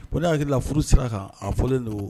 Ko ne hakiliki furu sira kan a fɔlen de don